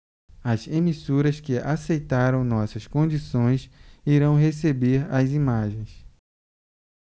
as emissoras que aceitaram nossas condições irão receber as imagens